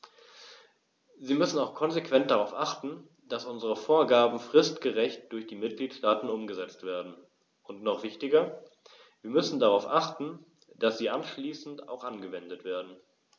Wir müssen auch konsequent darauf achten, dass unsere Vorgaben fristgerecht durch die Mitgliedstaaten umgesetzt werden, und noch wichtiger, wir müssen darauf achten, dass sie anschließend auch angewendet werden.